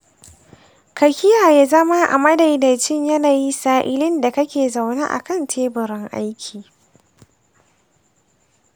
ka kiyaye zama a madaidaicin yanayi sa'ilin da kake zaune a kan teburin aiki.